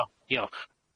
O diolch.